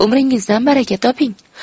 umringizdan baraka toping